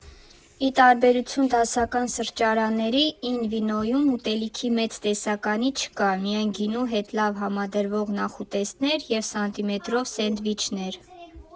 Ի տարբերություն դասական սրճարանների՝ Ին վինոյում ուտելիքի մեծ տեսականի չկա՝ միայն գինու հետ լավ համադրվող նախուտեստներ և «սանտիմետրով» սենդվիչներ.